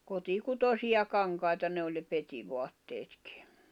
kotikutoisia kankaita ne oli ne petivaatteetkin